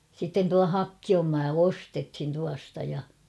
sitten tuo Hakkion maa ostettiin tuosta ja